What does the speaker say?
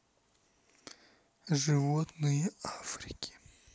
животные африки